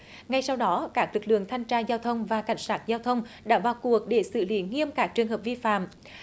ngay sau đó các lực lượng thanh tra giao thông và cảnh sát giao thông đã vào cuộc để xử lý nghiêm các trường hợp vi phạm